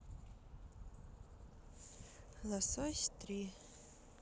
лосось три